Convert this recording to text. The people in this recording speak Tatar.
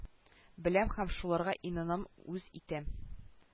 Беләм һәм шуларга инанам үз итәм